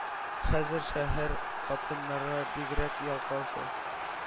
Хәзер шәһәр хатыннары бигрәк ялкау шул!